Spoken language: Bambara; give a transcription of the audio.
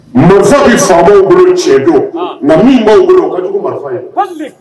Muso ki sako ye u bolo tiɲɛ don. Nka min bu bolo o ka jugun ni marifa ye.